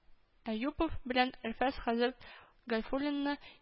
Әюпов белән әлфәс хәзрәт гайфуллинны